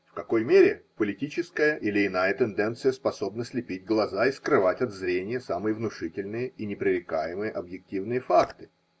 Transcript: – в какой мере политическая или иная тенденция способна слепить глаза и скрывать от зрения самые внушительные и непререкаемые объективные факты.